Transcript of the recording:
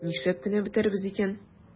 Нишләп кенә бетәрбез икән?